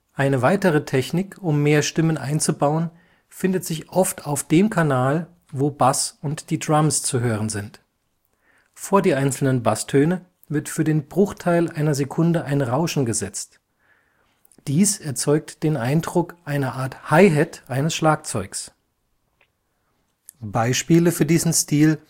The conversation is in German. Eine weitere Technik, um mehr Stimmen einzubauen, findet sich oft auf dem Kanal, wo Bass und die Drums zu hören sind. Vor die einzelnen Basstöne wird für den Bruchteil einer Sekunde ein Rauschen gesetzt. Dies erzeugt den Eindruck einer Art Hi-Hat eines Schlagzeugs. Beispiele für diesen Stil